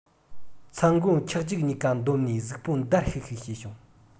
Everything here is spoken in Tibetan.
མཚན དགུང འཁྱགས འཇིགས གཉིས ཀ འདོམས ནས གཟུགས པོ འདར ཤིག ཤིག བྱས བྱུང